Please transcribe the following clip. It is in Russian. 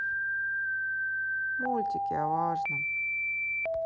мультики о важном